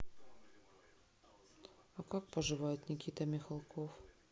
а как поживает никита михалков